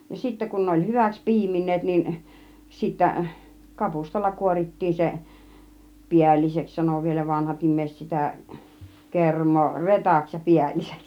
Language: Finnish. ja sitten kun ne oli hyväksi piimineet niin sitten kapustalla kuorittiin se päälliseksi sanoi vielä vanhat ihmiset sitä kermaa retaksi ja päälliseksi